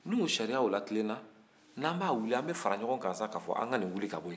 n'o sariya o latilenna n'an b'a wuli an bɛ fara ɲɔgɔn kan sa k'a fɔ an ka nin wuli ka bɔ yen